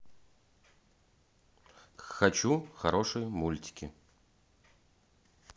хочу хорошие мультики